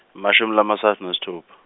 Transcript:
emashumi lamatsatfu nesitfupha.